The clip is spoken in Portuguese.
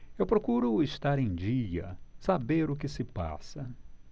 eu procuro estar em dia saber o que se passa